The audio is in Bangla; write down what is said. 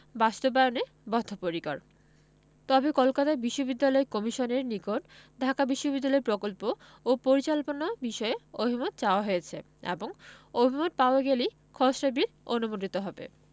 বাস্তবায়নে বদ্ধপরিকর তবে কলকাতা বিশ্ববিদ্যালয় কমিশনের নিকট ঢাকা বিশ্ববিদ্যালয় প্রকল্প ও পরিচালনা বিষয়ে অভিমত চাওয়া হয়েছে এবং অভিমত পাওয়া গেলেই খসড়া বিল অনুমোদিত হবে